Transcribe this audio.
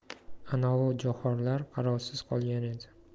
anovi jo'xorilar qarovsiz qolgan edi